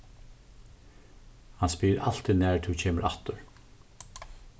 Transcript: hann spyr altíð nær tú kemur aftur